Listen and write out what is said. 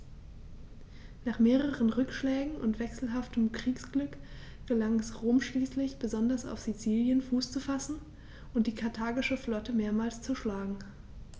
Nach mehreren Rückschlägen und wechselhaftem Kriegsglück gelang es Rom schließlich, besonders auf Sizilien Fuß zu fassen und die karthagische Flotte mehrmals zu schlagen.